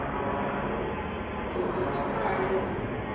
вот это правильно